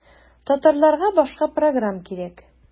Татарларга башка программ кирәк.